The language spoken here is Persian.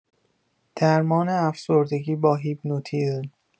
درمان افسردگی با هیپنوتیزم